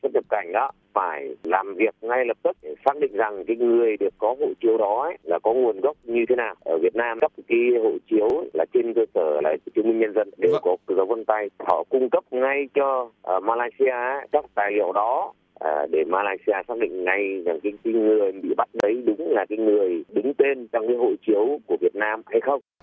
xuất nhập cảnh đó phải làm việc ngay lập tức để xác định rằng cái người được có hộ chiếu đó ấy là có nguồn gốc như thế nào ở việt nam cấp cái hộ chiếu ấy là trên cơ sở là cái chứng minh nhân dân đều có dấu vân tay họ cung cấp ngay cho ma lay si a ấy các tài liệu đó để ma lay si a xác định ngay rằng cái người bị bắt đấy đúng là cái người đứng tên trong hộ chiếu của việt nam hay không